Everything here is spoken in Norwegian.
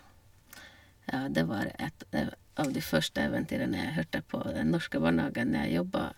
Ja, det var et dev av de første eventyrene jeg hørte på den norske barnehagen jeg jobba.